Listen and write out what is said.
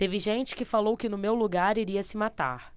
teve gente que falou que no meu lugar iria se matar